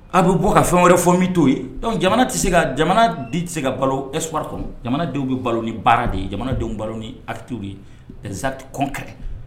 A bɛ bɔ ka fɛn wɛrɛ fɔ n bɛ too yen jamana tɛ se ka jamana di tɛ se ka balo eswara kɔnɔ jamanadenw bɛ balo ni baara de ye jamanadenw balo ni hatiw ye pzti kɔnkari